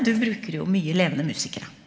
du bruker jo mye levende musikere.